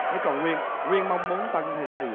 thé còn quyên quyên mong muốn tân thay đổi điều gì